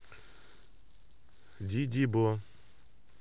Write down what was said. ди ди бо